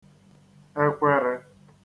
ekwerē